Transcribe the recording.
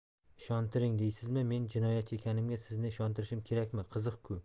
ishontiring deysizmi men jinoyatchi ekanimga sizni ishontirishim kerakmi qiziq ku